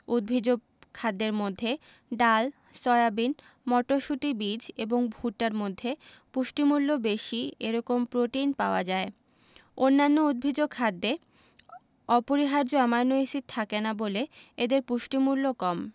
উদ্ভিজ্জ খাদ্যের মধ্যে ডাল সয়াবিন মটরশুটি বীজ এবং ভুট্টার মধ্যে পুষ্টিমূল্য বেশি এরকম প্রোটিন পাওয়া যায় অন্যান্য উদ্ভিজ্জ খাদ্যে অপরিহার্য অ্যামাইনো এসিড থাকে না বলে এদের পুষ্টিমূল্য কম